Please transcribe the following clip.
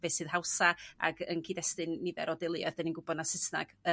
be' sydd hawsa ac yn cyd-destun nifer o deuluoedd 'da ni'n gw'bod na Susnag